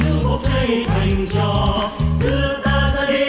lửa bốc cháy thành tro xưa ta ra đi